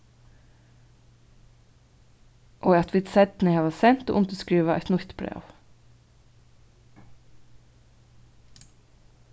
og at vit seinni hava sent og undirskrivað eitt nýtt bræv